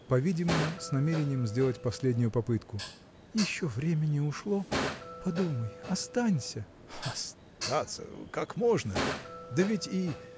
по-видимому с намерением сделать последнюю попытку – еще время не ушло подумай, останься! – Остаться! как можно! да ведь и.